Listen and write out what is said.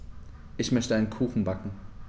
Ich möchte einen Kuchen backen.